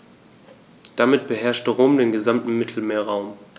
Damit beherrschte Rom den gesamten Mittelmeerraum.